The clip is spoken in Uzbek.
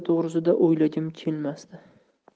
to'g'risida o'ylagim kelmasdi